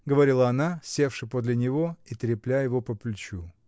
— говорила она, севши подле него и трепля его по плечу.